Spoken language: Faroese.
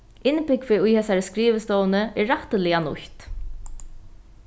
innbúgvið í hesari skrivstovuni er rættiliga nýtt